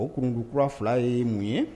O kunkukura kura fila ye mun ye